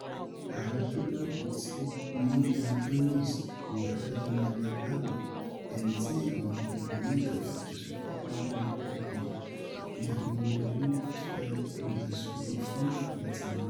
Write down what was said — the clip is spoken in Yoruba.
Ààrẹ tó gbárúkùtì mọ́ ẹni tó yàn sí ipò adájọ́ ní Ilé-ẹjọ́ Àgbà, eni tí àwọn obìnrin mẹ́ta fi ẹ̀sùn ìfipábánilòpọ̀ kàn, ní àwọn ọmọ ẹgbẹ́ Democrat fẹ lo ẹ̀sùn yí fún àǹfààní ti wọn ni.